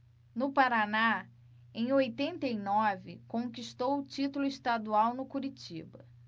no paraná em oitenta e nove conquistou o título estadual no curitiba